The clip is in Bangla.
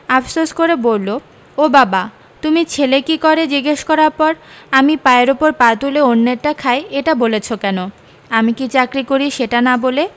আফসোস করে বললও বাবা তুমি ছেলে কী করে জিজ্ঞেস করার পর আমি পায়ের ওপর পা তুলে অন্যেরটা খাই এটা বলেছ কেন আমি কী চাকরি করি সেটা না বলে